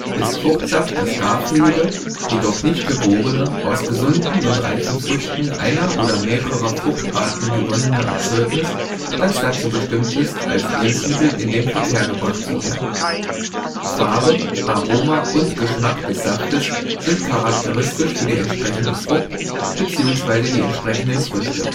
ist Fruchtsaft das gärfähige, jedoch nicht gegorene, aus gesunden und reifen Früchten einer oder mehrerer Fruchtarten gewonnene Erzeugnis, das dazu bestimmt ist, als Lebensmittel in den Verkehr gebracht zu werden. Farbe, Aroma und Geschmack des Saftes sind charakteristisch für die entsprechende Frucht bzw. die entsprechenden Früchte